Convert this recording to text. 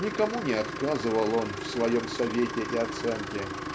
Никому не отказывал он в своем совете и оценке.